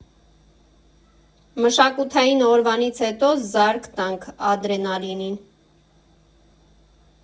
Մշակութային օրվանից հետո զարկ տանք ադրենալինին։